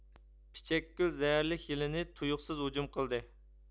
پىچەكگۈل زەھەرلىك يىلىنى تۇيۇقسىز ھۇجۇم قىلدى